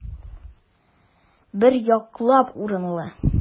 Бер яклап урынлы.